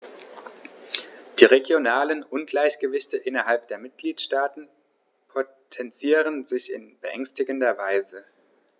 Die regionalen Ungleichgewichte innerhalb der Mitgliedstaaten potenzieren sich in beängstigender Weise.